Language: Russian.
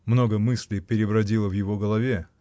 много мыслей перебродило в его голове